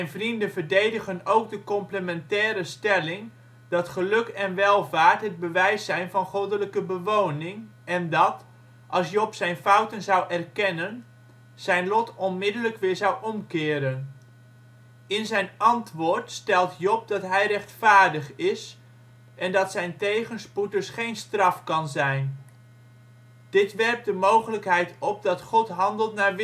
vrienden verdedigen ook de complementaire stelling dat geluk en welvaart het bewijs zijn van goddelijke beloning, en dat, als Job zijn fouten zou erkennen, zijn lot onmiddellijk weer zou omkeren. In zijn antwoord stelt Job dat hij rechtvaardig is, en dat zijn tegenspoed dus geen straf kan zijn. Dit werpt de mogelijkheid op dat God handelt naar